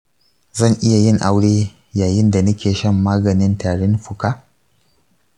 zan iya yin aure yayin da nake shan maganin tarin fuka?